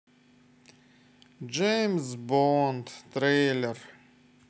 джеймс бонд трейлер